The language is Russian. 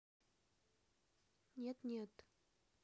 нет нет